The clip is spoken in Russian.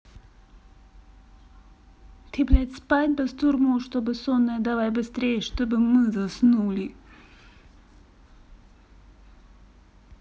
ты блядь спать бастурму чтобы сонное давай быстрее чтобы мы заснули